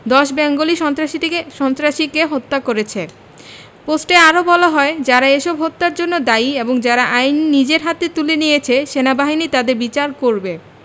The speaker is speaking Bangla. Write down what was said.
১০ বেঙ্গলি সন্ত্রাসীকে হত্যা করেছে পোস্টে আরো বলা হয় যারা এসব হত্যার জন্য দায়ী এবং যারা আইন নিজের হাতে তুলে নিয়েছে সেনাবাহিনী তাদের বিচার করবে